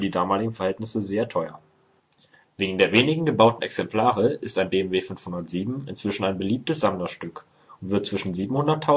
damaligen Verhältnisse sehr teuer. Wegen der wenigen gebauten Exemplare ist ein BMW 507 inzwischen ein beliebtes Sammlerstück und wird zwischen 700.000